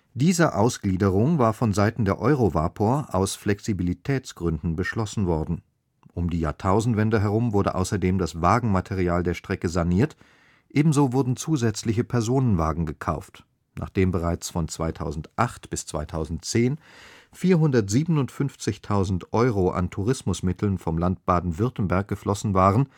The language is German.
Diese Ausgliederung war von Seiten der EUROVAPOR aus Flexibilitätsgründen beschlossen worden. Um die Jahrtausendwende herum wurde außerdem das Wagenmaterial der Strecke saniert; ebenso wurden zusätzliche Personenwagen gekauft. Nachdem bereits von 2008 bis 2010 457.000 Euro an Tourismusmitteln vom Land Baden-Württemberg geflossen waren